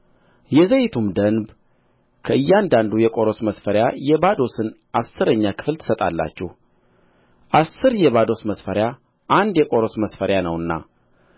የዘይቱም ደንብ ከእያንዳንዱ የቆሮስ መስፈሪያ የባዶስን አሥረኛ ክፍል ትሰጣላችሁ አሥር የባዶስ መስፈሪያ አንድ የቆሮስ መስፈሪያ ነውና